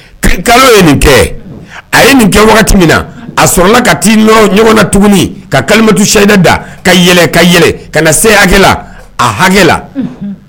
Kalo ye nin kɛ a ye nin kɛ wagati min na a sɔrɔla ka taa ɲɔgɔn na tuguni ka kalitusɛyina da ka yɛlɛ ka yɛlɛ ka na seya la a hakɛ la